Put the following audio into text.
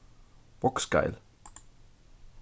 vágsgeil